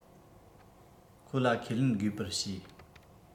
ཁོ ལ ཁས ལེན དགོས པར བྱས